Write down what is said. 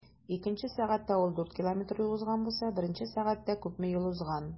Икенче сәгатьтә ул 4 км юл узган булса, беренче сәгатьтә күпме юл узган?